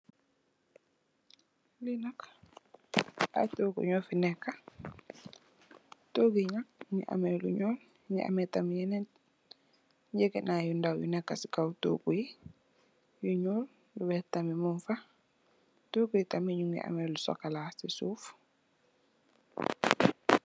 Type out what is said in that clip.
Fi nak ay toogu nyo fi nekka, toogu yi nak mungi ameh lu ñuul, mungi ameh tamit yenen ngegenaay yu ndaw yu nekka ci kaw toogu yi yu ñuul, yu weeh tamit mung fa. Toogu yi tamit mungi ameh lu sokola ci suuf.